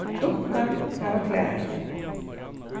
dukkan hava klæði